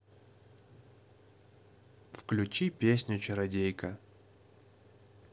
включи песню чародейка